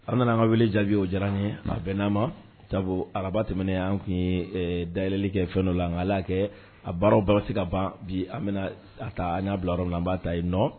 An nana an ka wele jaabi o diyara n ye a bɛn n'a ma taabolo araba tɛmɛnen an tun ye dayli kɛ fɛn dɔ la an'a kɛ a baara baara se ka ban bi an bɛna a taa an n'a bila yɔrɔ la an b'a ta yen nɔ